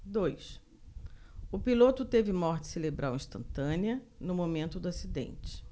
dois o piloto teve morte cerebral instantânea no momento do acidente